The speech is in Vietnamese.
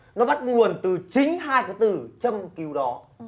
nó bắt nguồn từ chính hai cái từ châm cứu đó